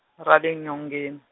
ra le nyongen-.